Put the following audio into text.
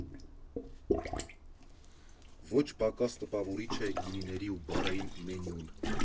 Ոչ պակաս տպավորիչ է գինիների ու բարային մենյուն.